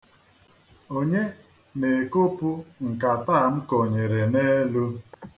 Onye na-ekopụ nkata a m konyere n'elu.